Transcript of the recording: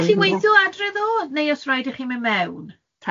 Ydach chi'n weithio adre ddo, neu os rhaid i chi mynd mewn?